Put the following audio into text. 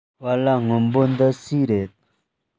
བལ ལྭ སྔོན པོ འདི སུའི རེད